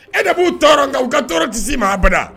E de b'u tɔɔrɔ kan u ka tɔɔrɔ kisisi mabada